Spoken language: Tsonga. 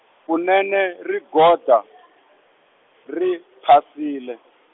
kunene rigoda , ri phasile.